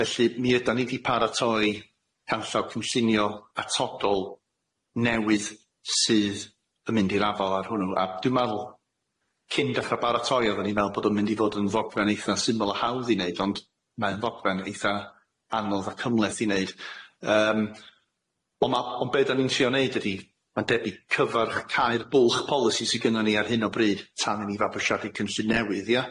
Felly mi ydan ni di paratoi canllaw cynllinio atodol newydd sydd yn mynd i'r afal ar hwnnw a dwi'n meddwl cyn dechra baratoi oddan ni'n meddwl bod o'n mynd i fod yn ddogfen eitha syml a hawdd i neud ond mae'n ddogfen eitha anodd a cymhleth i neud, yym ond ma' ond be' dan ni'n trio neud ydi ma'n deby cyfarch cau'r bwlch polisi sy gynnon ni ar hyn o bryd tan i ni fabwysiadu cynllun newydd ia?